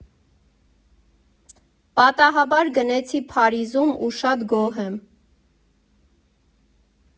Պատահաբար գնեցի Փարիզում ու շատ գոհ եմ։